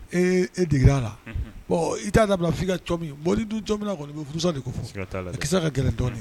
E e degeigi a la i t dabila'i ka min boli dun cogo min bɛsa de ko ki ka g gɛlɛn dɔɔnin